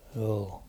joo